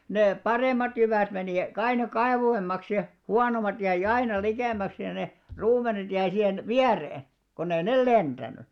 ne paremmat jyvät meni aina kauemmaksi ja huonommat jäi aina likemmäksi ja ne ruumenet jäi siihen viereen kun ei ne lentänyt